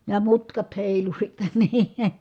ja mutkat heilui sitten niin